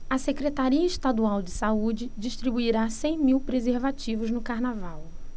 a secretaria estadual de saúde distribuirá cem mil preservativos no carnaval